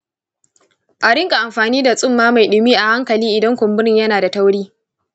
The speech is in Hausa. a rinka amfani da tsumma mai ɗumi a hankali idan kumburin yana da tauri.